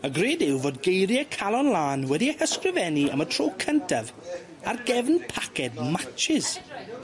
Y gred yw fod geirie calon lân wedi'u ysgrifennu am y tro cyntaf ar gefn paced matsys.